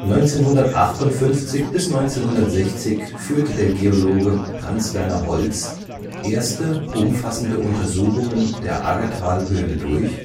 1958 bis 1960 führte der Geologe Hans-Werner Holz erste umfassende Untersuchungen der Aggertalhöhle durch